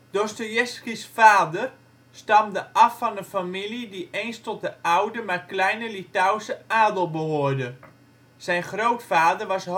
Dostojevski 's vader stamde af van een familie die eens tot de oude, maar kleine Litouwse adel behoorde. Zijn grootvader was hoofdpriester